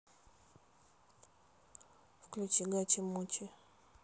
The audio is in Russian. включи гачи мучи